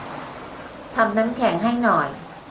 ทำน้ำแข็งให้หน่อย